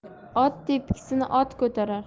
ot tepkisini ot ko'tarar